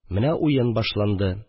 Менә уен башланды